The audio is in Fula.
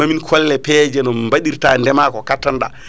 mami kolle peeje no baɗirta ndeema ko kattanɗa